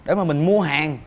để mà mình mua hàng